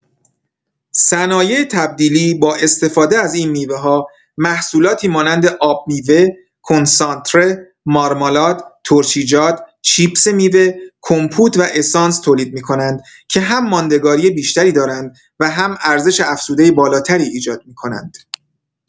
صنایع تبدیلی با استفاده از این میوه‌ها محصولاتی مانند آبمیوه، کنسانتره، مارمالاد، ترشیجات، چیپس میوه، کمپوت و اسانس تولید می‌کنند که هم ماندگاری بیشتری دارند و هم ارزش‌افزوده بالاتری ایجاد می‌کنند.